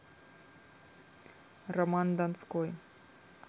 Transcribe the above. роман донской